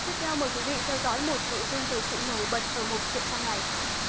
tiếp theo mời quý vị theo dõi một nội dung thời sự nổi bật ở mục chuyện trong ngày